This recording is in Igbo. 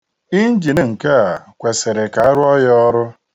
Injin nke a kwesịrị ka a rụọ ya ọrụ